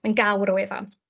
Mae'n gawr o wefan.